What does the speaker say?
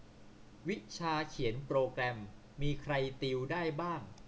วิชาเขียนโปรแกรมมีใครติวได้บ้าง